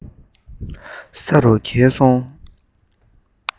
ས རུ འགྱེལ སོང